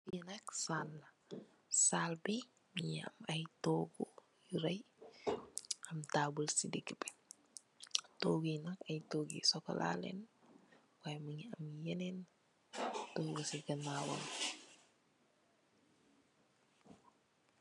Lii nak sal la, sal bi mingi am ay toogu yu rey, am tabul si dige bi, toogu yi nak ay toogu yu sokola leen, way mingi am yenen, toogu si ganaawam